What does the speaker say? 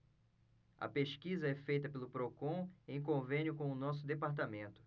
a pesquisa é feita pelo procon em convênio com o diese